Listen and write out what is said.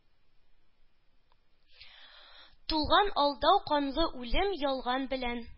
Тулган алдау, канлы үлем, ялган белән!